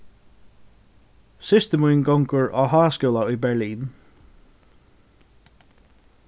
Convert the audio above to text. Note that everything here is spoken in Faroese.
systir mín gongur á háskúla í berlin